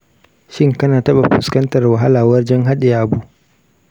shin kana taɓa fuskantar wahala wajen haɗiye abu?